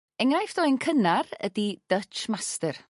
Enghraifft o un cynnar ydi Dutch master.